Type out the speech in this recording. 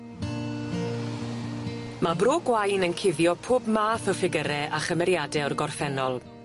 Ma' Bro Gwaun yn cuddio pob math o ffigyre a chymeriade o'r gorffennol.